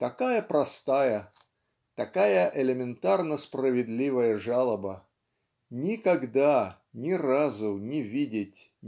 Такая простая, такая элементарно-справедливая жалоба никогда ни разу не видеть